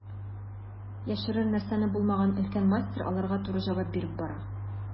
Яшерер нәрсәсе булмаган өлкән мастер аларга туры җавап биреп бара.